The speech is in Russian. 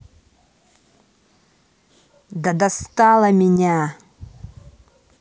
да достала меня